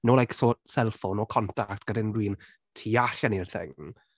No, like, cellphone, no contact gyda unrhyw un tu allan i’r thing.